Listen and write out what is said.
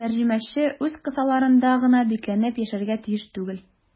Тәрҗемәче үз кысаларында гына бикләнеп яшәргә тиеш түгел.